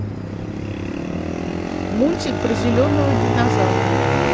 мультик про зеленого динозавра